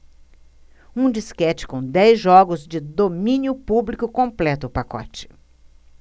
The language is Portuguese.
um disquete com dez jogos de domínio público completa o pacote